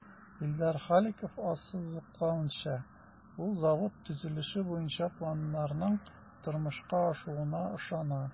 Илдар Халиков ассызыклавынча, ул завод төзелеше буенча планнарның тормышка ашуына ышана.